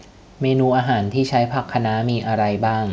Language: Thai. เมนูอาหารที่ใช้ผักคะน้ามีอะไรบ้าง